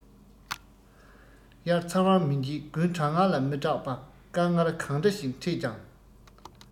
དབྱར ཚ བར མི འཇིགས དགུན གྲང ངར ལ མི སྐྲག པ དཀའ ངལ གང འདྲ ཞིག ཕྲད ཀྱང